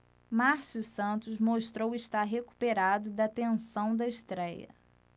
márcio santos mostrou estar recuperado da tensão da estréia